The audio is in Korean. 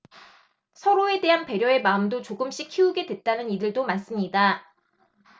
서로에 대한 배려의 마음도 조금씩 키우게 됐다는 이들도 많습니다